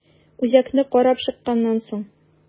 Үзәкне карап чыкканнан соң.